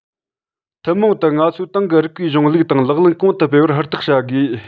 ཐུན མོང དུ ང ཚོའི ཏང གི རིགས པའི གཞུང ལུགས དང ལག ལེན གོང དུ སྤེལ བར ཧུར ཐག བྱ དགོས